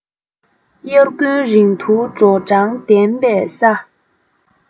དབྱར དགུན རིང ཐུང དྲོ གྲང ལྡན པའི ས